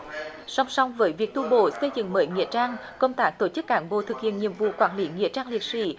song song với việc tu bổ xây dựng mới nghĩa trang công tác tổ chức cán bộ thực hiện nhiệm vụ quản lý nghĩa trang liệt sỹ